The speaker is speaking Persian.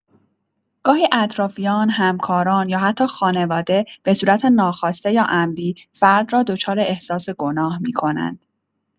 گاهی اطرافیان، همکاران، یا حتی خانواده، به‌صورت ناخواسته یا عمدی فرد را دچار احساس گناه می‌کنند.